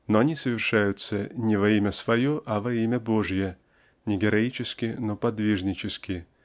-- но они совершаются не во имя свое а во имя Божие не героически но подвижнически